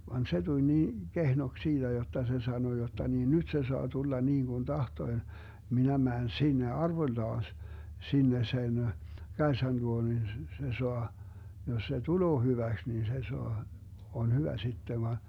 vaan se tuli niin kehnoksi siitä jotta se sanoi jotta niin nyt se saa tulla niin kuin tahtoi minä menen sinne arvollaan sinne sen Kaisan luo niin -- se saa jos se tulee hyväksi niin se saa on hyvä sitten vaan